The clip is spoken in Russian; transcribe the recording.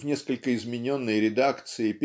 в несколько измененной редакции